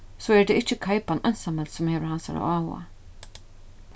so er tað ikki keipan einsamøll sum hevur hansara áhuga